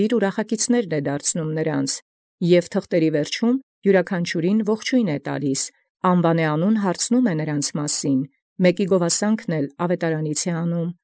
Ուրախակիցս իւր առնէ, և ի վախճանի թղթոցն ըստ իւրաքանչիւր ումեք յողջոյն կատարեալ՝ յանուանէ հարցանէ. և զուրումն յաւետարանէ անտի նշանակէ զգովութիւնսն։